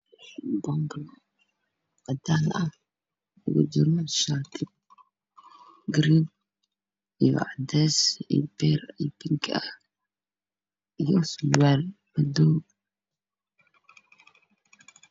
Ruush aan waxaa ka muuqdo raaco cusub oo kalaro badan leh waxaa ka mid ah lug caddayn binkii qaxwi korkiisana waa cadan